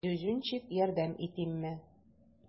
Зюзюнчик, ярдәм итимме?